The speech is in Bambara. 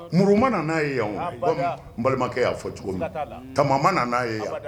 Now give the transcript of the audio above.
Muru ma na n'a ye yan balimakɛ y'a fɔ cogo min tamama na n'a ye yan